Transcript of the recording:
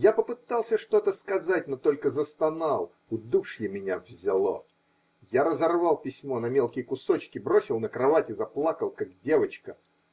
я по пытался что-то сказать, но только застонал, удушье меня взяло, я разорвал письмо на мелкие кусочки, бросил на кровать и заплакал, как девочка.